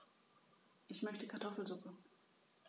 Ich möchte Kartoffelsuppe.